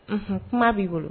Un kuma b'i bolo